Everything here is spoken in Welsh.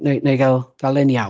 wna i wna i gael gael e'n iawn